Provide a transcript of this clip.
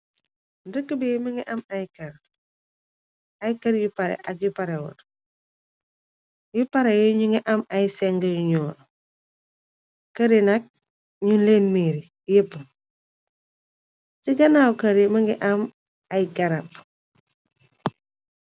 Ndëkk bi më ngi am ay kar ay kër yu pare ak yu parawar. Yu para yi ñu nga am ay seng yu ño këri nak. Nu leen miir yépp ci ganaaw kër yi më ngi am ay garab.